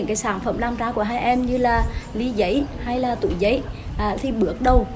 cái sản phẩm làm ra của hai em như là li giấy hay là túi giấy thì bước đầu